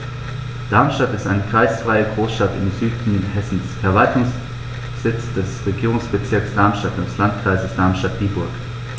Darmstadt ist eine kreisfreie Großstadt im Süden Hessens, Verwaltungssitz des Regierungsbezirks Darmstadt und des Landkreises Darmstadt-Dieburg.